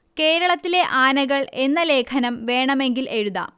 കേരളത്തിലെ ആനകൾ എന്ന ലേഖനം വേണമെങ്കിൽ എഴുതാം